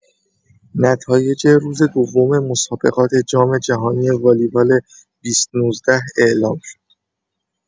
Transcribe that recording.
نتایج روز دوم مسابقات جام‌جهانی والیبال ۲۰۱۹ اعلام شد.